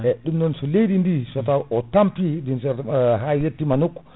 ɗum non so leydi ndi so taw o tampi * ha yettima nokku